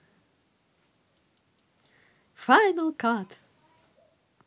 final cut